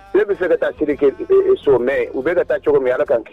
Ne bɛ fɛ ka taa seli kɛ so mais u bɛ ka taa cogo min allah kan kisi